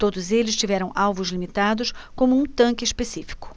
todos eles tiveram alvos limitados como um tanque específico